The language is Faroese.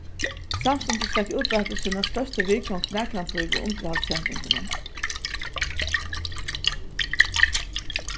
samstundis fekk útvarpið sína størstu viðgongd nakrantíð við undirhaldssendingunum